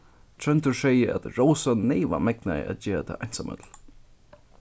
tróndur segði at rósa neyvan megnaði at gera tað einsamøll